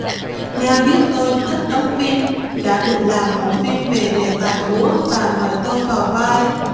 nga biết tôi thích đóng phim đã định làm một phim về đề tài múa và mời tôi vào vai